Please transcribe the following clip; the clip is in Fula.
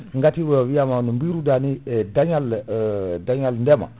gati wiyama no biruɗani e dañal dañal ndeema